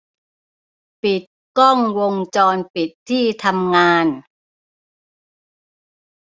ปิดกล้องวงจรปิดที่ทำงาน